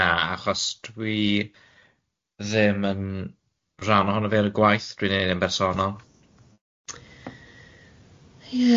Na, achos dwi ddim yn ran ohono fe yn y gwaith, dwi'n neud e'n bersonol.